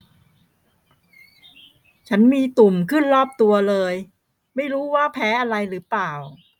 ฉันมีตุ่มขึ้นรอบตัวเลยไม่รู้ว่าแพ้อะไรหรือเปล่า